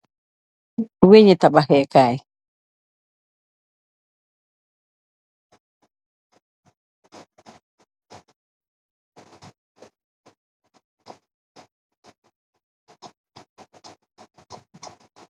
Weenyi tabaxxe kaay